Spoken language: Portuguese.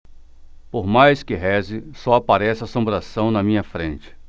por mais que reze só aparece assombração na minha frente